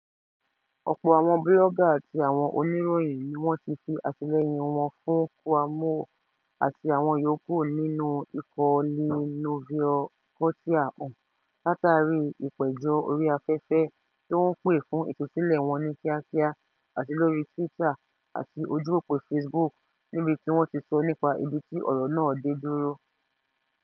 Ọ̀pọ̀ àwọn búlọ́gà àti àwọn Oníròyìn ni wọn ti fi àtìlẹyìn wọn fún Kouamouo àti àwọn yòókù nínú ikọ̀ Lè Nouveau Courtier hàn látàrí ìpẹ̀jọ́ orí afẹ́fẹ́ tó ń pè fún ìtusílẹ̀ wọn ní kíákíá, àti lórí Twitter àti ojú òpó Facebook níbi tí wọ̀n ti sọ nípa ibi tí ọ̀rọ̀ náà dé dúró.